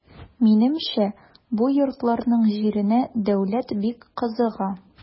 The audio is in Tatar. Минемчә бу йортларның җиренә дәүләт бик кызыга.